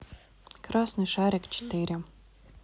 красный шарик четыре